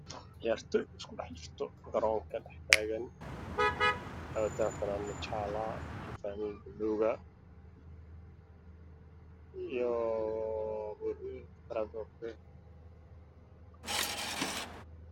Halkaan waxaa ka muuqdo dhalinyaro banooniga ciyaarto oo garoonka jooga waxay xiran yihiin fanaanadobjaalo iyo buluug midna waxa uu qabaan fanaanad madaw mid kalena fanaanad guduud xigeen iyo buluug iskugu jirto